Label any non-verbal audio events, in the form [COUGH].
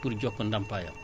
pour [NOISE] jox ko ndàmpaayam